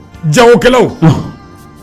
Jagokɛlaw